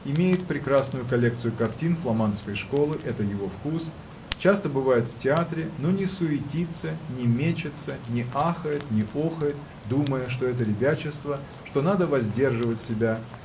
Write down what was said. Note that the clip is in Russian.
имеет прекрасную коллекцию картин фламандской школы – это его вкус часто бывает в театре но не суетится не мечется не ахает не охает думая что это ребячество что надо воздерживать себя